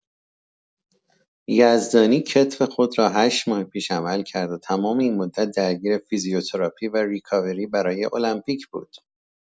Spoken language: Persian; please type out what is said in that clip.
یزدانی کتف خود را ۸ ماه پیش عمل کرد و تمام این مدت درگیر فیزیوتراپی و ریکاوری برای المپیک بود.